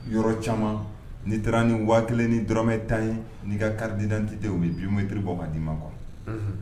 Yɔrɔ caman ni taara ni wa kelen ni dɔrɔnɔrɔmɛ ta ye n'i ka karidi dantite u bɛ bitiriri bɔ ka d dii ma kɔ